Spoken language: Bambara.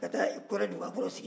ka taa kɔrɛ dugakɔrɔ sigi